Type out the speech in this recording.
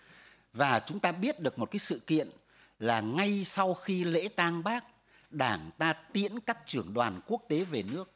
và chúng ta biết được một cái sự kiện là ngay sau khi lễ tang bác đảng ta tiễn các trưởng đoàn quốc tế về nước